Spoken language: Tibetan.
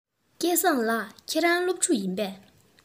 སྐལ བཟང ལགས ཁྱེད རང སློབ ཕྲུག ཡིན པས